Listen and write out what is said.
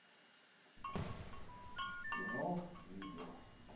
кино видео